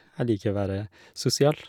Jeg liker være sosial.